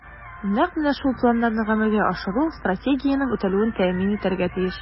Нәкъ менә шул планнарны гамәлгә ашыру Стратегиянең үтәлүен тәэмин итәргә тиеш.